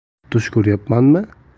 tush ko'ryapmanmi